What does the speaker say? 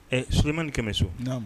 Ɛ solima ni kɛmɛ so